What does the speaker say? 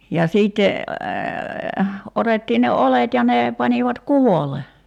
ja sitten otettiin ne oljet ja ne panivat kuvolle